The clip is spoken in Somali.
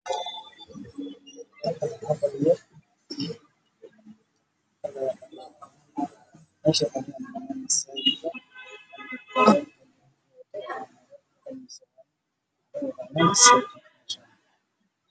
Waa dad meel masaajid ah ku jiro qaar khamiistii qabana way ku jiraan